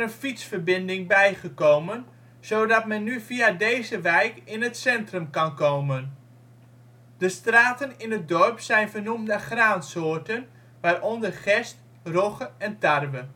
fietsverbinding bijgekomen, zodat men nu via deze wijk in het centrum kan komen. De straten in het dorp zijn vernoemd naar graansoorten, waaronder gerst, rogge en tarwe